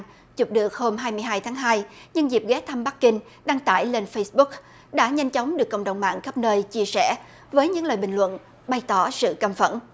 chụp được hôm hai mươi hai tháng hai nhân dịp ghé thăm bắc kinh đăng tải lên phây búc đã nhanh chóng được cộng đồng mạng khắp nơi chia sẻ với những lời bình luận bày tỏ sự căm phẫn